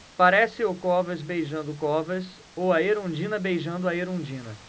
parece o covas beijando o covas ou a erundina beijando a erundina